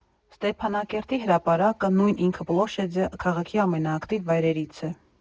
Ստեփանակերտի հրապարակը՝ նույն ինքը Պլոշյաձը, քաղաքի ամենաակտիվ վայրերից է։